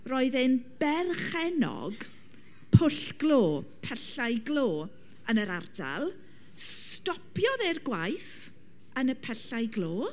Roedd e'n berchenog pwll glo, pyllau glo yn yr ardal. Stopiodd e'r gwaith yn y pyllau glo.